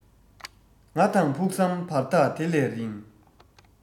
ང དང ཕུགས བསམ བར ཐག དེ ལས རིང